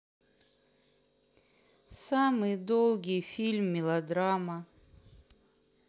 самый долгий фильм мелодрама